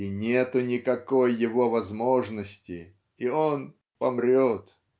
и "нету никакой его возможности" и он "помрет".